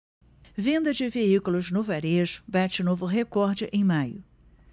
venda de veículos no varejo bate novo recorde em maio